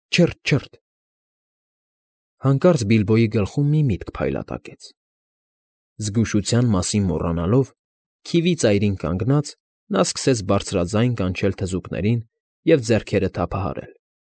Չը՛ըթ, չը՛ըթ… Հանկարծ Բիլբոյի գլխում մի միտք փայլատակեց… Զգուշության մասին մոռանալով, քիվի ծայրին կանգնած, նա սկսեց բարձրաձայն կանչել թզուկներին և ձեռքերը թափահարել։